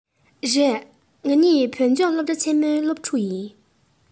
རེད ང གཉིས བོད ལྗོངས སློབ གྲ ཆེན མོའི སློབ ཕྲུག ཡིན